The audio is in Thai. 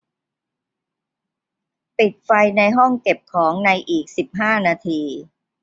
ปิดไฟในห้องเก็บของในอีกสิบห้านาที